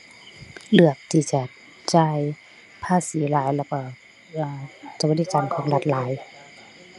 เลือกที่จะจ่ายภาษีหลายแล้วก็ เอ่อ สวัสดิการของรัฐหลาย